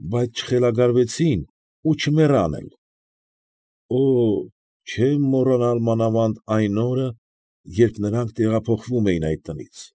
Բայց չխելագարվեցին ու չմեռան էլ։ Օօ՛, չեմ մոռանալ մանավանդ այն օրը, երբ նրանք տեղափոխվում էին այդ տնից։